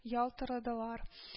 Ялтырыдылар